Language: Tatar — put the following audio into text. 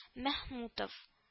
Мәхмүтов